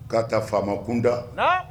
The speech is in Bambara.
Kaa ta faama kunda